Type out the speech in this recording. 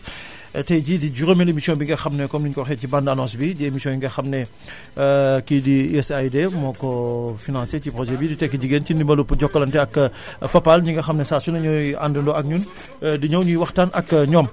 tay jii di di juróomeelu émission bi nga xam ne comme ni ñu ko waxee ci bande annonce bi di émission yi nga xam ne kii di USAID moo koo financé ci projet bii di tekki jigéen ci dimbalu Jokalante ak Fapal ñi nga xam ne saa su ne ñooy ñooy àndandoo ak ñun di ñëw ñuy waxtaan ak ñoom